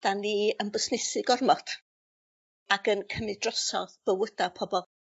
'Dan ni yn busnesu gormod, ac yn cymryd drosodd bywyda pobol.